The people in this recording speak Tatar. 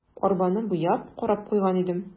Арбаны буяп, карап куйган идем.